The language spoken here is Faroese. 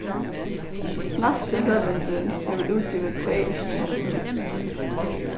næsti høvundurin hevur útgivið tvey yrkingasøvn